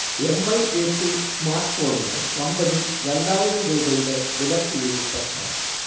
M. I. A two സ്മാർട്ഫോണിന് കമ്പനി രണ്ടായിരം രൂപയുടെ വിലക്കിഴിവ് പ്രഖ്യാപിച്ചു